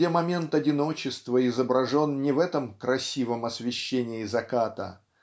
где момент одиночества изображен не в этом красивом освещении заката